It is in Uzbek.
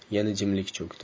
yana jimlik cho'kdi